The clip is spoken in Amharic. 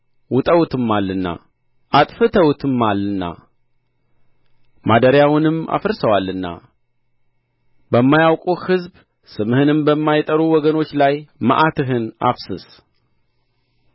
ውጠውትማልና አጥፍተውትማልና ማደሪያውንም አፍርሰዋልና በማያውቁህ አሕዛብ ስምህንም በማይጠሩ ወገኖች ላይ መዓትህን አፍስስ